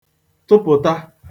tụpụ̀ta